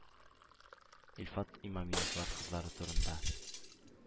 Илфат Имамиевлар кызлары турында.